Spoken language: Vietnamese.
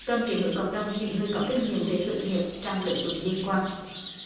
cần kết nối cộng đồng những người có kinh nghiệm về khởi nghiệp trong lĩnh vực liên quan